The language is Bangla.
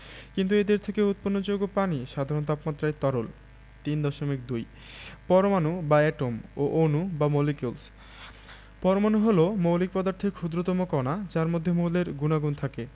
কিন্তু এদের থেকে উৎপন্ন যৌগ পানি সাধারণ তাপমাত্রায় তরল ৩.২ পরমাণু বা এটম ও অণু বা মলিকিউলস পরমাণু হলো মৌলিক পদার্থের ক্ষুদ্রতম কণা যার মধ্যে মৌলের গুণাগুণ থাকে